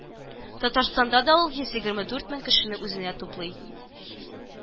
Татарстанда да ул йөз егерме дүрт мең кешене үзенә туплый